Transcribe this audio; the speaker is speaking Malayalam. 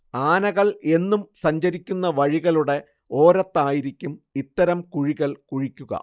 ആനകൾ എന്നും സഞ്ചരിക്കുന്ന വഴികളുടെ ഓരത്തായിരിക്കും ഇത്തരം കുഴികൾ കുഴിക്കുക